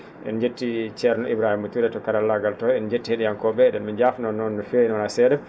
en njetti ceerno Ibrahima Touré to karallaagal to en njattii kadi hettiyankoo?e e?en njaafnoo noon no feewi wonaa see?a